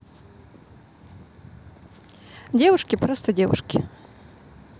девушки просто девушки